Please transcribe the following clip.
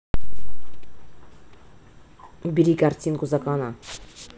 убери картинку закана